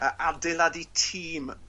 yy adeiladu tîm